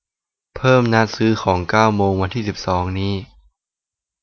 เพิ่มนัดซื้อของเก้าโมงวันที่สิบสองนี้